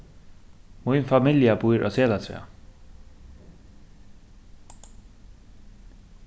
mín familja býr á selatrað